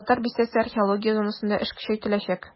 "татар бистәсе" археология зонасында эш көчәйтеләчәк.